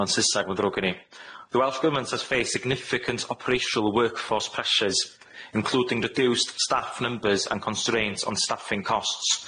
Ma'n Susnag ma'n ddrwg gen i, 'The Welsh Government has faced significant operational work force pressures, including reduced staff numbers and constraints on staffing costs.